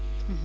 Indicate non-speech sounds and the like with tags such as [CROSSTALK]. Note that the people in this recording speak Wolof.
[HESITATION] [HESITATION]